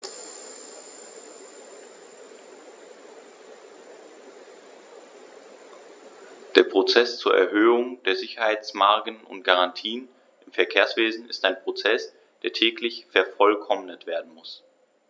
Der Prozess zur Erhöhung der Sicherheitsmargen und -garantien im Verkehrswesen ist ein Prozess, der täglich vervollkommnet werden muss.